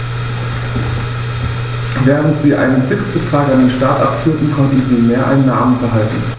Während sie einen Fixbetrag an den Staat abführten, konnten sie Mehreinnahmen behalten.